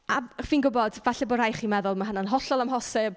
A... Fi'n gwybod, falle bo' rhai chi'n meddwl mae hynna'n hollol amhosib.